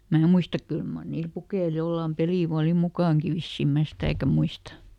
minä muista kyllä mar niillä pukeilla jollakin peliä vain oli mukanakin vissiin minä sitäkään muista